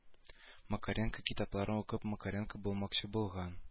Макаренко китапларын укып макаренко булмакчы булган